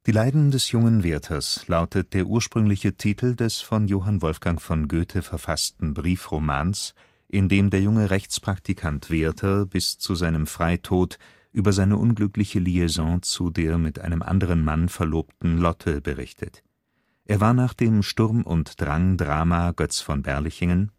Leiden des jungen Werthers lautet der ursprüngliche Titel des von Johann Wolfgang von Goethe verfassten Briefromans, in dem der junge Rechtspraktikant Werther bis zu seinem Freitod über seine unglückliche Liaison zu der mit einem anderen Mann verlobten Lotte berichtet. Er war nach dem Sturm-und-Drang-Drama Götz von Berlichingen